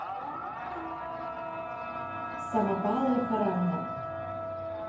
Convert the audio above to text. самопалы хоранда